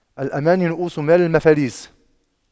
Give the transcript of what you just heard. الأماني رءوس مال المفاليس